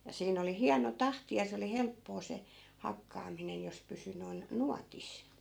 ja siinä oli hieno tahti ja se oli helppoa se hakkaaminen jos pysyi noin nuotissa